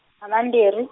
ha mambirhi.